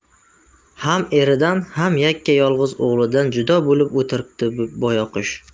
ham eridan ham yakka yolg'iz o'g'lidan judo bo'lib o'tiribdi boyoqish